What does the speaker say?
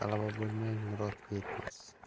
talaba bo'lmay murodga yetmas